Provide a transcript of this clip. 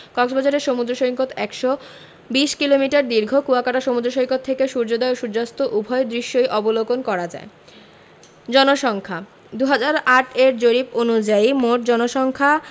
কক্সবাজারের সমুদ্র সৈকত ১২০ কিলোমিটার দীর্ঘ কুয়াকাটা সমুদ্র সৈকত থেকে সূর্যোদয় ও সূর্যাস্ত উভয় দৃশ্যই অবলোকন করা যায় জনসংখ্যাঃ ২০০৮ এর জরিপ অনুযায়ী মোট জনসংখ্যা